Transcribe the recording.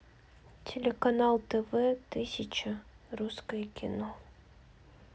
телеканал тв тысяча русское кино